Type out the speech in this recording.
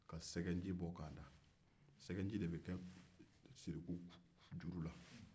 sɛgɛnji de bɛ kɛ siriku juru la